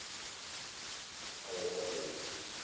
а выходные